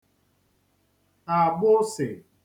agbụsì